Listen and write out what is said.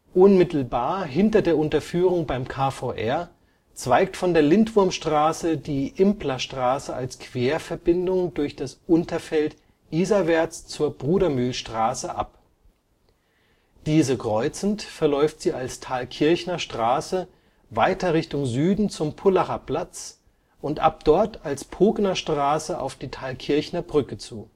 Unmittelbar hinter der Unterführung beim KVR zweigt von der Lindwurmstraße die Implerstraße als Querverbindung durch das Unterfeld isarwärts zur Brudermühlstrasse ab. Diese kreuzend verläuft sie als Thalkirchner Straße weiter Richtung Süden zum Pullacher Platz und ab dort als Pognerstraße auf die Thalkirchner Brücke zu